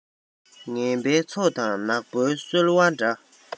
ངན པའི ཚོགས དང ནག པོའི སོལ བ འདྲ